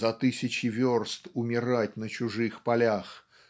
за тысячи верст умирать на чужих полях